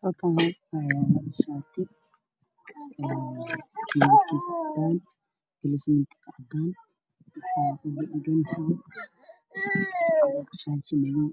Halakan waxayalo shati kalarkis cadan galuskis cadan waxa kudhegan xasha madow